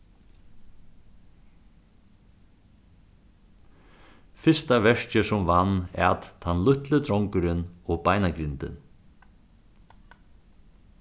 fyrsta verkið sum vann æt tann lítli drongurin og beinagrindin